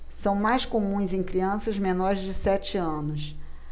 são mais comuns em crianças menores de sete anos